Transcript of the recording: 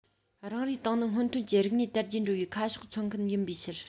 རང རེའི ཏང ནི སྔོན ཐོན གྱི རིག གནས དར རྒྱས འགྲོ བའི ཁ ཕྱོགས མཚོན མཁན ཡིན པའི ཕྱིར